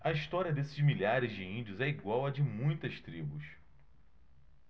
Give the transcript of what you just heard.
a história desses milhares de índios é igual à de muitas tribos